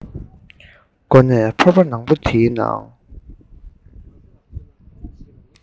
སྒོ ནས ཕོར པ ནག པོ དེའི ནང